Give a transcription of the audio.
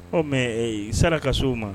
Ɔ saraka ka so o ma